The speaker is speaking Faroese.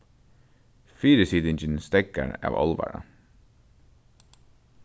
fyrisitingin steðgar av álvara